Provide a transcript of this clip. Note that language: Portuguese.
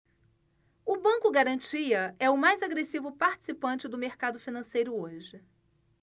o banco garantia é o mais agressivo participante do mercado financeiro hoje